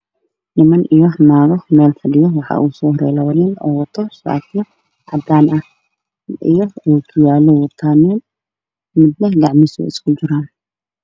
Meeshaan waa hool waxaa isku imaaday niman iyo naago waxa ay ku fadhiyaan kuraas cadaan ah waxay wataan shacabkii caddaan faa-iida